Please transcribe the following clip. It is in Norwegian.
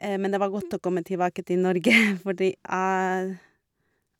Men det var godt å komme tilbake til Norge, fordi jeg